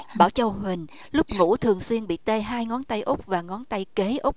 bảo châu huỳnh lúc ngủ thường xuyên bị tê hai ngón tay út và ngón tay kế út